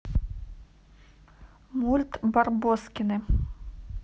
мульт барбоскины